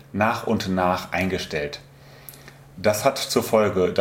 nach und nach eingestellt. Das hat zur Folge